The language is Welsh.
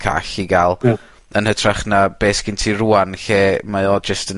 call i gal. Ie. Yn hytrach na beth 'sgin ti rŵan, lle mae o jyst yn